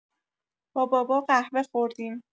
با بابا قهوه خوردیم.